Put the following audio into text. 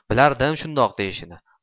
bilardim shundoq deyishini